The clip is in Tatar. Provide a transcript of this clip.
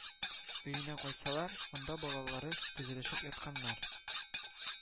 Өенә кайтсалар, анда балалары тезелешеп ятканнар